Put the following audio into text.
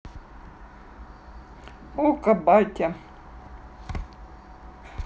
okko батя